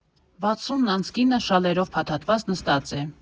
Վաթսունն անց կինը՝ շալերով փաթաթված, նստած է։